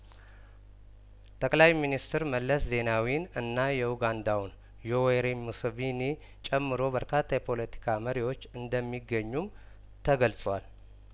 ጠቅላይ ሚኒስትር መለስ ዜናዊን እና የኡጋንዳውን ዮዌሪ ሙሴቪኒ ጨምሮ በርካታ የፖለቲካ መሪዎች እንደሚገኙም ተገልጿል